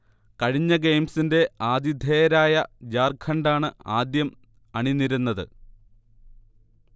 കഴിഞ്ഞ ഗെയിംസിന്റെ ആതിഥേയരായ ജാർഖണ്ഡാണ് ആദ്യം അണിനിരന്നത്